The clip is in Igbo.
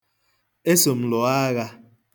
Eso m lụọ agha.